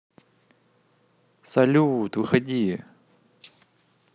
салют выходи